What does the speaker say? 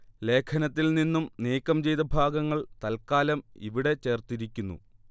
ലേഖനത്തിൽ നിന്നും നീക്കം ചെയ്ത ഭാഗങ്ങൾ തൽക്കാലം ഇവിടെ ചേർത്തിരിക്കുന്നു